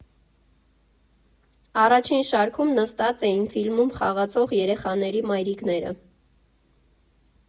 Առաջին շարքում նստած էին ֆիլմում խաղացող երեխաների մայրիկները։